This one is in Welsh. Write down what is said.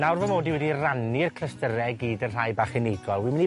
Nawr fy mod i wedi rannu'r clystyre i gyd yn rhai bach unigol wi myn' i